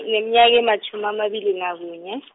ngineminyaka ematjhumi amabili nakunye .